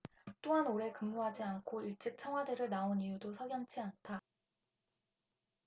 또한 오래 근무하지 않고 일찍 청와대를 나온 이유도 석연치 않다